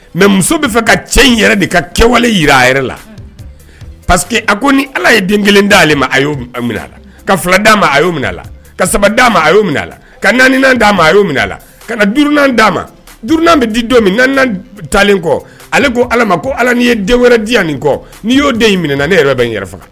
Mɛ muso bɛa fɛ ka cɛ in yɛrɛ de ka kɛwale jira a yɛrɛ la paseke que a ko ni ala ye den kelen di' aleale ma a mina a la ka fila da ma a y mina a la ka saba da ma a y' mina a la ka naanianian d'a ma a y' mina a la ka na duan d'a ma duan bɛ di don min naani taalen kɔ ale ko ala ma ko ala ni'i ye den wɛrɛ di yan nin kɔ ni'i y'o den in minɛ na ne yɛrɛ bɛ n yɛrɛ faga